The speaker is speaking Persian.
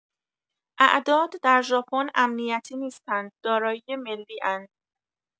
اعداد در ژاپن امنیتی نیستند؛ دارایی ملی‌اند.